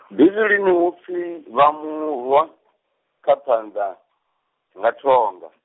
Bivhilini hu pfi vha mu rwa, kha phanḓa, nga thonga.